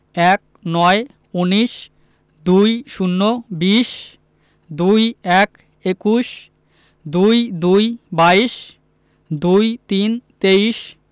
১৯ - উনিশ ২০ - বিশ ২১ – একুশ ২২ – বাইশ ২৩ – তেইশ